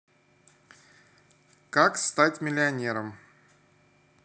как стать миллионером